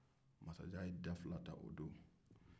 masajan ye dafila ta o don